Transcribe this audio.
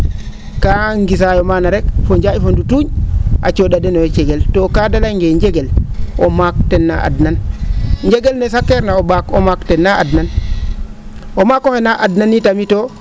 kaaa ngisa yo mana rek fo njaa? fo ndutuuñ a coo? a den noyo cegel to kaa de layang e njegel o maak ten na adnan njegel ne saqeerna o ?aak o maak ten na adnan o maak oxe na adna i tamit too